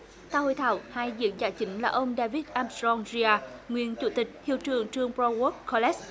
tại hội thảo hay diễn giả chính là ông đa vít am trong ri a nguyên chủ tịch hiệu trưởng trường bờ râu oát cô lét